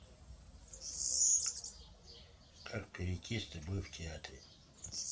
как перейти с тобой в театре